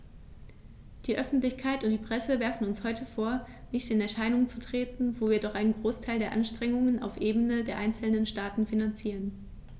Die Öffentlichkeit und die Presse werfen uns heute vor, nicht in Erscheinung zu treten, wo wir doch einen Großteil der Anstrengungen auf Ebene der einzelnen Staaten finanzieren.